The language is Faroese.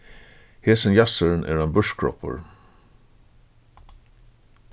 hesin jassurin er ein búrkroppur